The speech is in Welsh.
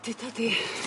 O duda di.